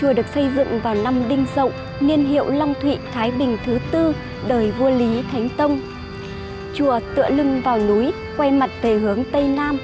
chùa được xây dựng vào năm đinh dậu niên hiệu long thụy thái bình thứ đời vua lý thánh tông chùa tựa lưng vào núi quay mặt về hướng tây nam